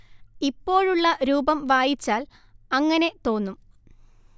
ഇപ്പോഴുള്ള രൂപം വായിച്ചാൽ അങ്ങനെ തോന്നും